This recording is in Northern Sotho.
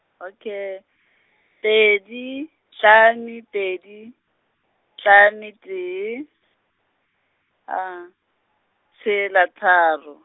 okay, pedi, hlame, pedi, hlame, tee, tshela, tharo.